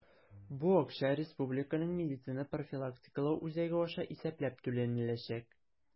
Бу акча Республиканың медицина профилактикалау үзәге аша исәпләп түләнеләчәк.